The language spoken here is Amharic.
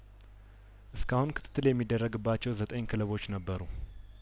እስካሁን ክትትል የሚደረግባቸው ዘጠኝ ክለቦች ነበሩ